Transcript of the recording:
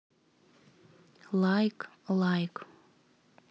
лайк лайк